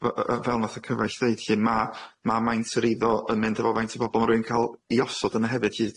F- f- f fel nath y cyfaill ddeud lly, ma' ma' maint yr eiddo yn mynd hefo faint o bobol ma' r'wun yn ca'l 'i osod yna hefyd lly, t-